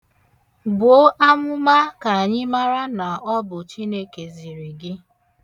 Buo amụma ka anyị mara na Ọ bụ Chineke ziri gị.